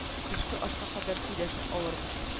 Төшке ашка кадәр сөйләшеп алырбыз